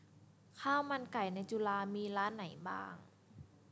ข้าวมันไก่ในจุฬามีร้านไหนบ้าง